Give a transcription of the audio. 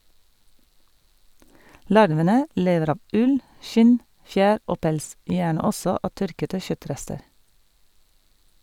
Larvene lever av ull , skinn, fjær og pels, gjerne også av tørkete kjøttrester.